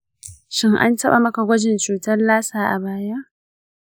shin an taba maka gwajin cutar lassa a baya?